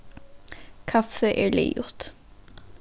kaffið er liðugt